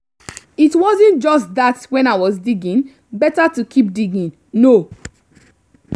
It wasn't just that when I was digging, better to keep digging, no.